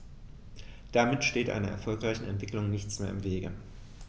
Damit steht einer erfolgreichen Entwicklung nichts mehr im Wege.